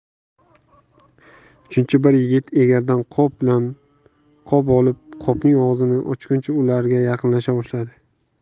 uchinchi bir yigit egaridan qop olib qopning og'zini ochganicha ularga yaqinlasha boshladi